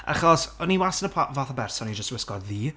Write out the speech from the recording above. Achos, o'n i wastad y pa- fath o berson i jyst wisgo ddu,